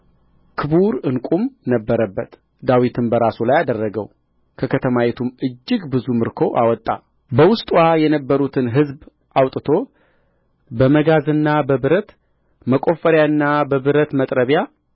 ክቡር ዕንቍም ነበረበት ዳዊትም በራሱ ላይ አደረገው ከከተማይቱም እጅግ ብዙ ምርኮ አወጣ በውስጥዋም የነበሩትን ሕዝብ አውጥቶ በመጋዝና በብረት መቈፈሪያና በብረት መጥረቢያ